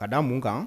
Ka da mun kan